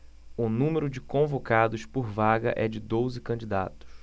o número de convocados por vaga é de doze candidatos